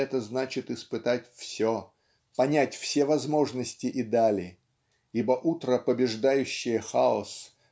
это значит испытать все, понять все возможности и дали. Ибо утро побеждающее хаос